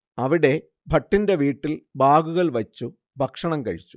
അവിടെ ഭട്ടിന്റെ വീട്ടിൽ ബാഗുകൾ വച്ച് ഭക്ഷണം കഴിച്ചു